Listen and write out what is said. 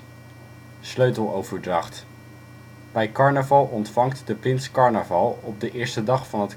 Sleuteloverdracht. Bij carnaval ontvangt de Prins carnaval op de eerste dag van